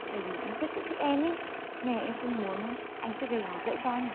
tại vì anh quyết cũng thích em ý nên là em không muốn anh quyết gây khó dễ cho anh